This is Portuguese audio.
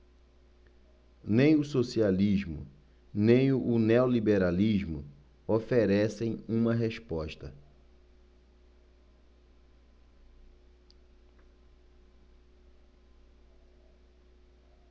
nem o socialismo nem o neoliberalismo oferecem uma resposta